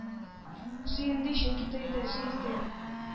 Сөенде, чөнки тойды, сизде: